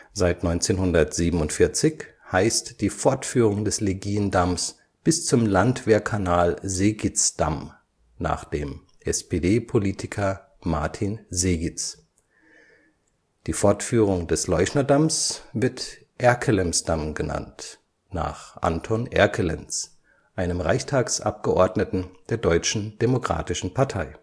Seit 1947 heißt die Fortführung des Legiendamms bis zum Landwehrkanal Segitzdamm (nach dem SPD-Politiker Martin Segitz), die des Leuschnerdamms Erkelenzdamm (nach Anton Erkelenz, einem Reichstagsabgeordneten der Deutschen Demokratischen Partei